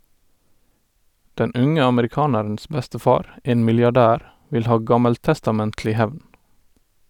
Den unge amerikanerens bestefar, en milliardær , vil ha gammeltestamentlig hevn.